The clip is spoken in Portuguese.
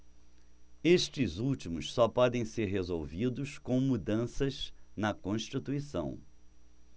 estes últimos só podem ser resolvidos com mudanças na constituição